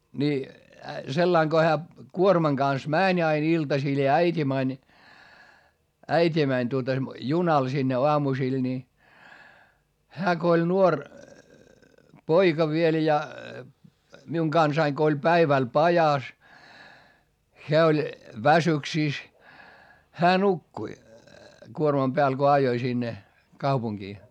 niin sillä lailla kun hän kuorman kanssa meni aina iltasilla ja äiti meni äiti meni tuota junalla sinne aamusilla niin hän kun oli nuori poika vielä ja minun kanssani kun oli päivällä pajassa hän oli väsyksissä hän nukkui kuorman päällä kun ajoi sinne kaupunkiin